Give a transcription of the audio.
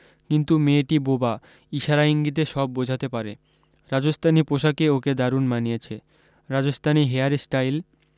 কিন্তু মেয়েটি বোবা ইশারা ইঙ্গিতে সব বোঝাতে পারে রাজস্থানি পোষাকে ওকে দারুণ মানিয়েছে রাজস্থানি হেয়ার স্টাইল